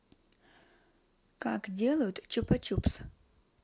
как делают чупа чупс